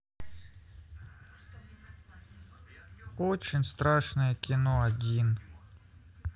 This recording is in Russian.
очень страшное кино один